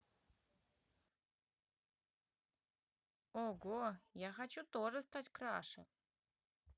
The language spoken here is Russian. ого я хочу тоже стать краше